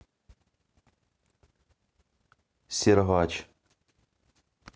сергач